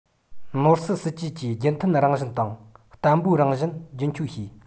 ནོར སྲིད སྲིད ཇུས ཀྱི རྒྱུན མཐུད རང བཞིན དང བརྟན པོའི རང བཞིན རྒྱུན འཁྱོངས བྱས